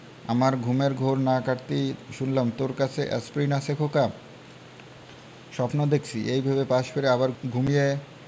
আমার ঘুমের ঘোর না কাটতেই শুনলাম তোর কাছে এ্যাসপিরিন আছে খোকা স্বপ্ন দেখছি এই ভেবে পাশে ফিরে আবার ঘুমিয়ে